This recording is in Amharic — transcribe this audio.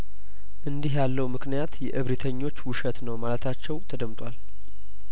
እንዲህ ያለው ምክንያት የእብሪተኞች ውሸት ነው ማለታቸው ተደምጧል